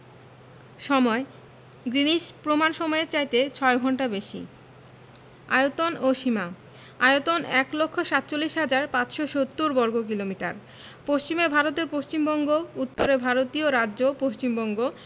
সময়ঃ গ্রীনিচ প্রমাণ সমইয়ের চাইতে ৬ ঘন্টা বেশি আয়তন ও সীমাঃ আয়তন ১লক্ষ ৪৭হাজার ৫৭০বর্গকিলোমিটার পশ্চিমে ভারতের পশ্চিমবঙ্গ উত্তরে ভারতীয় রাজ্য পশ্চিমবঙ্গ